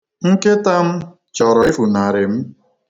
Nkịta m chọrọ ifunarị m.